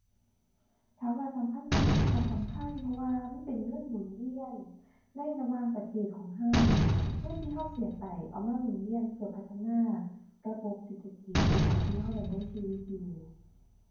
ถามว่าสำคัญบ่ก็สำคัญ เพราะว่ามันเป็นเงินหมุนเวียนในระหว่างประเทศของก็ เงินที่ก็เสียไปเอามาหมุนเวียนเพื่อพัฒนาระบบเศรษฐกิจหรือว่าที่ก็ดำรงชีวิตอยู่